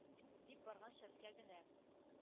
Дип барган шәпкә генә